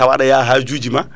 tawa aɗa yaa yaajuji ma